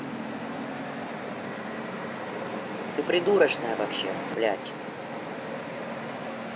ты придурочная вообще блядь